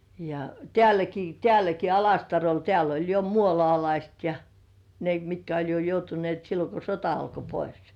ja täälläkin täälläkin Alastarolla täällä oli jo muolaalaiset ja ne mitkä oli jo joutuneet silloin kun sota alkoi pois